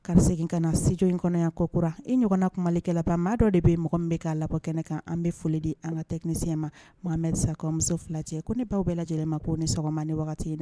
Karisasegin ka na sjo in kɔnɔya kɔkurara i ɲɔgɔnna kuma malikɛla banmaa dɔ de bɛ mɔgɔ bɛ kaa labɔ kɛnɛ kan an bɛ foli di an ka tɛinisinɲɛ ma maamerisakɔmuso fila cɛ ko ne baw bɛɛ lajɛlen ma ko ni sɔgɔma ni wagati dɛ